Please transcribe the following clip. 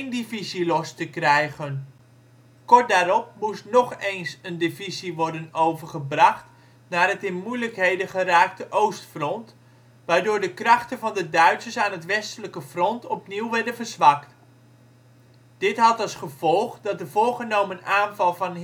divisie los te krijgen. Kort daarop moest nog eens een divisie worden overgebracht naar het in moeilijkheden geraakte oostfront, waardoor de krachten van de Duitsers aan het westelijke front opnieuw werden verzwakt. Dit had als gevolg dat de voorgenomen aanval van